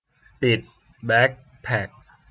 ปิดแบคแพ็ค